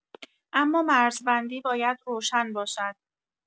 اما مرزبندی باید روشن باشد